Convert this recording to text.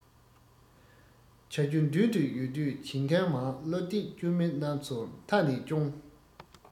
བྱ རྒྱུ མདུན དུ ཡོད དུས བྱེད མཁན མང བློ གཏད བཅོལ མི རྣམས ཚོ མཐའ ནས སྐྱོངས